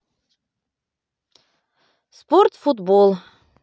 спорт футбол